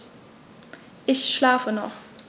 Ich schlafe noch.